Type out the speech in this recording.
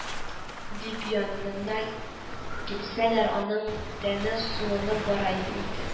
– дип янына килсәләр, аның тәне суынып бара иде инде